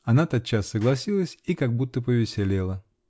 Она тотчас согласилась и как будто повеселела.